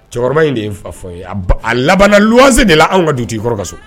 Cɛkɔrɔba in de ye n fa fɔ ye a laban se de la anw ka dukɔrɔ ka so